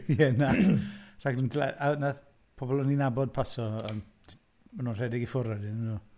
Ie na, rhaglen teled- a wedyn wnaeth pobl o'n i'n nabod pasio, ond o'n nhw'n rhedeg i ffwrdd wedyn yn doedden nhw.